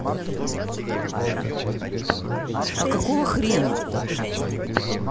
а какого хрена